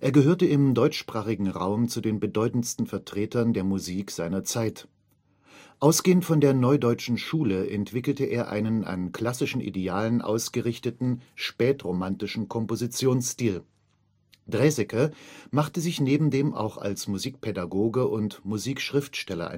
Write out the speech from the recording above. gehörte im deutschsprachigen Raum zu den bedeutendsten Vertretern der Musik seiner Zeit. Ausgehend von der Neudeutschen Schule entwickelte er einen an klassischen Idealen ausgerichteten, spätromantischen Kompositionsstil. Draeseke machte sich nebendem auch als Musikpädagoge und Musikschriftsteller